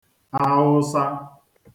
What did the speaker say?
Awụụsa